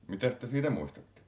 mitäs te siitä muistatte